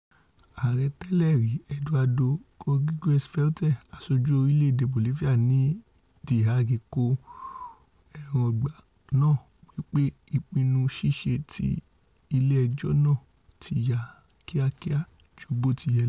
Ààrẹ tẹ́lẹ̀rí Eduardo Rodriguez Veltzé, aṣojú orílẹ̀-èdè Bolifia ní The Hague, kọ èròǹgbà náà wí pé ìpinnu-ṣíṣe ti ilé-ẹjọ́ náà tiyá kíakía ju bótiyẹ lọ.